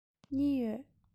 གཉིས ཡོད